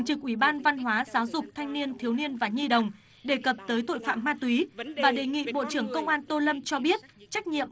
trực ủy ban văn hóa giáo dục thanh niên thiếu niên và nhi đồng đề cập tới tội phạm ma túy và đề nghị bộ trưởng công an tô lâm cho biết trách nhiệm